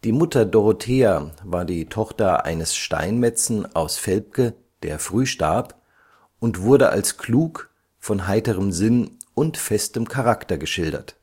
Mutter Dorothea war die Tochter eines Steinmetzen aus Velpke, der früh starb, und wurde als klug, von heiterem Sinn und festem Charakter geschildert